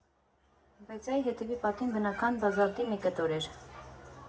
Բայց այ հետևի պատին բնական բազալտի մի կտոր էր.